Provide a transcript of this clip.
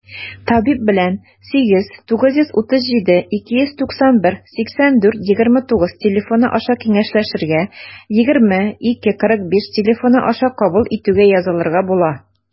Табиб белән 89372918429 телефоны аша киңәшләшергә, 20-2-45 телефоны аша кабул итүгә язылырга була.